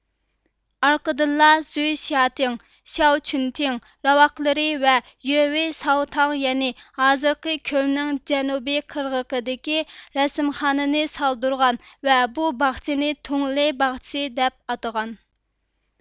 ئارقىدىنلا زۈي شياتىڭ شياۋچۈنتىڭ راۋاقلىرى ۋە يۆۋېي ساۋتاڭ يەنى ھازىرقى كۆلنىڭ جەنۇبىي قىرغىقىدىكى رەسىمخانىنى سالدۇرغان ۋە بۇ باغچىنى تۇڭلې باغچىسى دەپ ئاتىغان